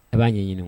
A b'a ɲɛɲini